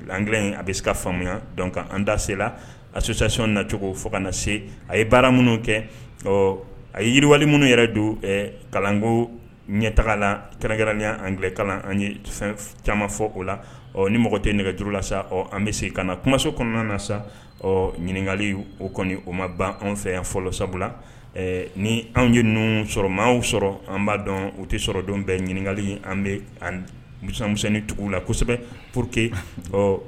An a bɛ se ka faamuya an da se la a sososasiɔn nacogo fo ka na se a ye baara minnu kɛ a ye yiriwa minnu yɛrɛ don kalanko ɲɛ taga la trɛnkɛrɛnya an an caman fɔ o la ɔ ni mɔgɔ tɛ nɛgɛjuru la sa an bɛ se ka na kumaso kɔnɔna na sa ɔ ɲininkakali o kɔni o ma ban an fɛ yan fɔlɔ sabula ni anw ye n ninnu sɔrɔ maaw sɔrɔ an b'a dɔn u tɛ sɔrɔ don bɛ ɲininkakali an bɛ mu munin tugu la kosɛbɛ pur quete ɔ